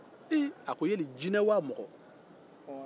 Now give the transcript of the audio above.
a ko yali jinɛ wa mɔgɔ